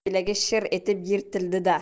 kir ko'ylagi shir etib yirtildi da